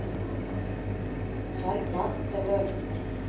царь град тв